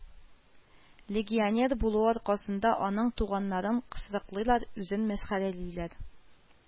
Легионер булуы аркасында аның туганнарын кысрыклыйлар, үзен мәсхәрәлиләр